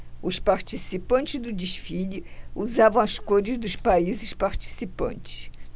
os participantes do desfile usavam as cores dos países participantes